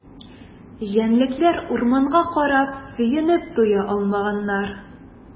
Җәнлекләр урманга карап сөенеп туя алмаганнар.